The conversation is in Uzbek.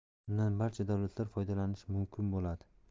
undan barcha davlatlar foydalanishi mumkin bo'ladi